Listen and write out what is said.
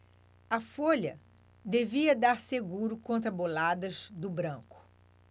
a folha devia dar seguro contra boladas do branco